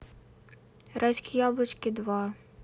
райские яблочки два